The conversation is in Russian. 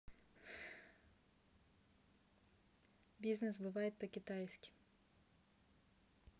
бизнес бывает по китайски